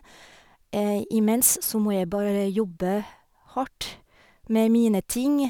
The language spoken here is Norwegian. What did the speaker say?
Imens så må jeg bare jobbe hardt med mine ting.